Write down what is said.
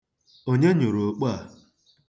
Onye nyụrụ okpo a?